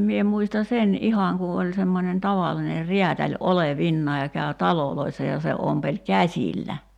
minä muistan sen ihan kun oli semmoinen tavallinen räätäli olevinaan kävi taloissa ja se ompeli käsillä